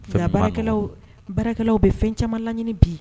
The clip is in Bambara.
Nka baarakɛlaw, baarakɛlaw bɛ fɛn caaman laɲini bi.